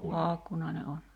Paakkunainen on